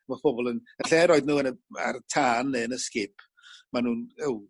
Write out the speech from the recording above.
ma' pobol yn yn lle roid n'w yn y ar tân ne' yn y sgip ma' nw'n ew